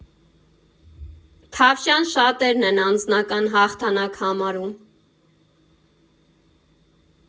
Թավշյան շատերն են անձնական հաղթանակ համարում.